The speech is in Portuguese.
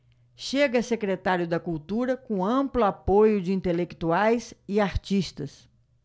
chega a secretário da cultura com amplo apoio de intelectuais e artistas